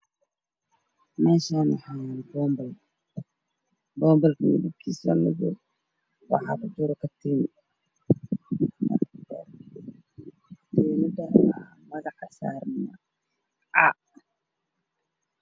Meshaan waxaa yaalo boonbal madabkiisa waa madow waxaa kujiro katiin katiinadaan magaca saaran waa c